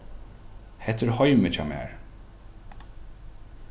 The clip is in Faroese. hetta er heimið hjá mær